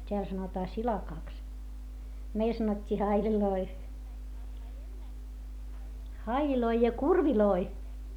täällä sanotaan silakaksi meillä sanottiin haileiksi haileja ja kurveja